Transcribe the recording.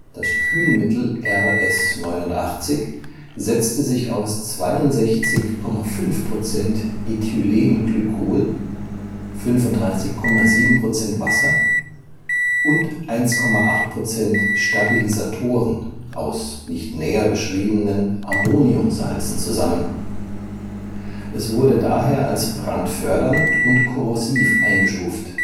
Das Kühlmittel (RS-89) setzte sich aus 62,5 % Ethylenglycol, 35,7 % Wasser und 1,8 % Stabilisatoren aus nicht näher beschriebenen Ammoniumsalzen zusammen. Es wurde daher als brandfördernd und korrosiv eingestuft